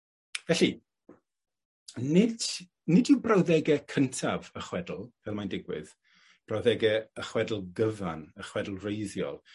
Felly nid nid yw brawddege cyntaf y chwedl, fel mae'n digwydd, brawddege y chwedl gyfan, y chwedl wreiddiol,